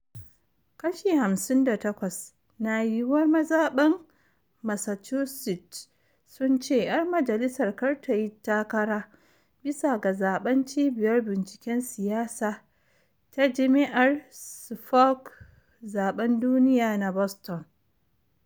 Kashi hamsin da takwas na “yiyuwar” mazaban Massachusetts sun ce ‘yar majalisar kar tayi takara, bisa ga zaben Cibiyar Binciken Siyasa ta Jimi’ar Suffolk/Zaben Duniya na Boston.